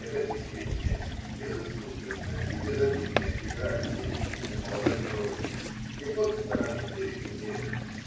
Это искренняя, безыскусственная и безобидная игра пенящейся молодой крови, где обе стороны не лицемерят